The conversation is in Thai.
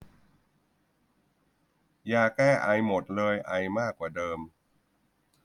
ยาแก้ไอหมดเลยไอมากกว่าเดิม